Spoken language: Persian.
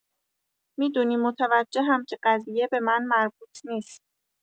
می‌دونی، متوجهم که قضیه به من مربوط نیست.